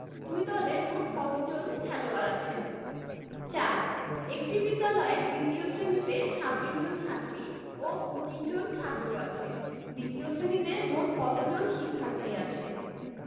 দুই দলে মোট কতজন খেলোয়াড় আছেন ৪ একটি বিদ্যালয়ের দ্বিতীয় শ্রেণিতে ২৬ জন ছাত্রী ও ২৫ জন ছাত্র আছে দ্বিতীয় শ্রেণিতে মোট কত জন শিক্ষার্থী আছে